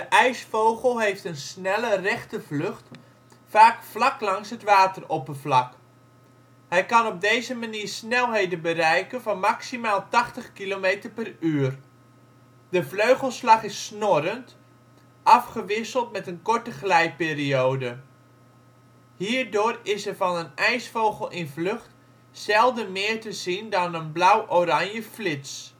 ijsvogel heeft een snelle, rechte vlucht, vaak vlak langs het wateroppervlak. Hij kan op deze manier snelheden bereiken van maximaal 80 kilometer per uur. De vleugelslag is snorrend, afgewisseld met een korte glijperiode. Hierdoor is er van een ijsvogel in vlucht zelden meer te zien dan een blauw-oranje flits